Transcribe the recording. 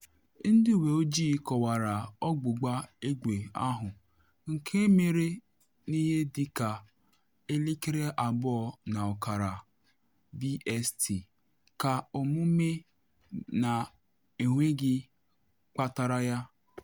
Ndị uwe ojii kọwara ọgbụgba egbe ahụ, nke mere n’ihe dị ka 02:30 BST, ka “omume na enweghị kpatara ya.”